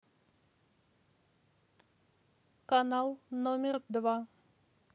канал номер два